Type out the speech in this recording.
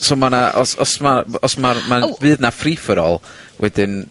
So ma' 'na os os ma' os ma' ma'n... O. ...fydd 'na free for all wedyn...